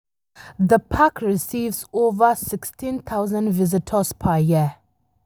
The park receives over 16,000 visitors per year.